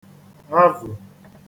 ghavù